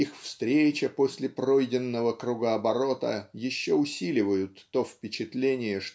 их встреча после пройденного кругооборота еще усиливают то впечатление